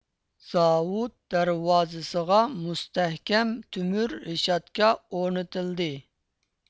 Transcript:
زاۋۇت دەرۋازىسىغا مۇستەھكەم تۆمۈر رېشاتكا ئورنىتىلدى